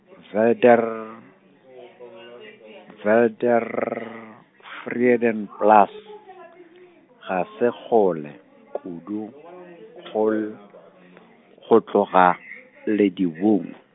Wilder-, Wilder- -vredenplaats, ga se kgole kudu , go l-, go tloga Ledibung.